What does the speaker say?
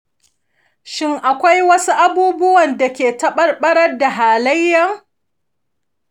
shin akwai wasu abubuwa da ke taɓarbarar da halayyen?